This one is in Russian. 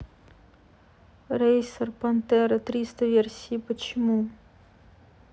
рейсер пантера триста версии почему